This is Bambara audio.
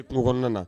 E kungokɔrɔn na